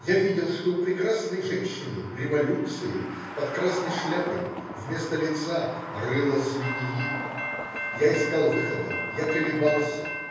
Я видел, что у прекрасной женщины Революции под красной шляпой, вместо лица,- рыло свиньи. Я искал выхода. Я колебался.